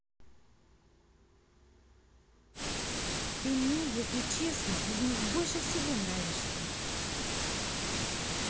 ты мне если честно из них больше всего нравишься